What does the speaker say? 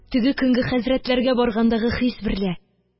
Теге көнге хәзрәтләргә баргандагы хис берлә